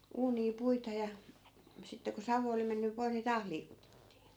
uunia puita ja sitten kun savu oli mennyt pois niin taas liikutettiin